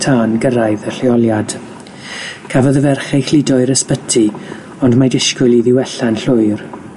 tân gyrraedd y lleoliad. Cafodd y ferch ei chludo i'r ysbyty, ond mae disgwyl iddi wella yn llwyr.